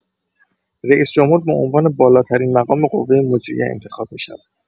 رییس‌جمهور به عنوان بالاترین مقام قوه مجریه انتخاب می‌شود.